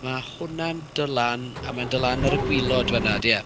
Mae hwnna'n dod lan, a mae e'n dod lan ar y... o. ....gwaelod fan'na yn odi e?